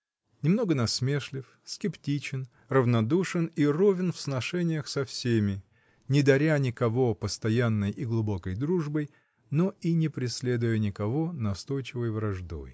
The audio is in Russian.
Немного насмешлив, скептичен, равнодушен и ровен в сношениях со всеми, не даря никого постоянной и глубокой дружбой, но и не преследуя никого настойчивой враждой.